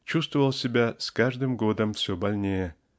чувствовал себя с каждым годом все больнее.